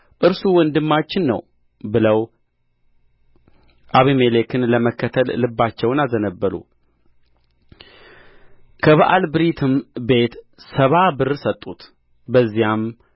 እርሱ ወንድማችን ነው ብለው አቤሜሌክን ለመከተል ልባቸውን አዘነበሉት ከበኣልብሪትም ቤት ሰባ ብር ሰጡት በዚያም